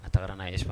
A taara n'a ye fa